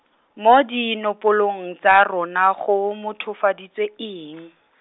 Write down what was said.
mo dinopolong tsa rona go mothofaditswe eng?